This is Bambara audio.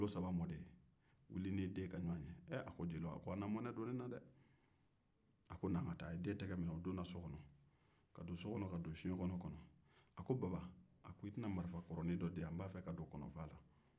a ko jeliw a na mɔnɛ don n na a ko na an ka taa ka don so kɔnɔ ka don soɲɛkɔnɔ na a ko baba i tɛna marifa kɔrɔnin dɔ di yan n b'a fɛ ka don kɔnɔfaa la